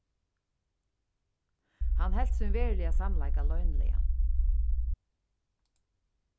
hann helt sín veruliga samleika loyniligan